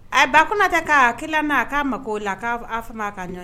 A ba kunna tɛ k'aki' a k'a mako la k' a fana'a ka ɲɔgɔn ye